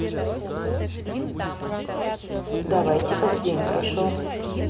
давайте как день прошел